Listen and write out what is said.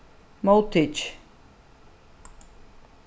móttikið